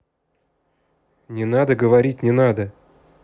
не надо говорить не надо